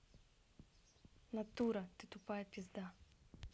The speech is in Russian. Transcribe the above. natura ты тупая пизда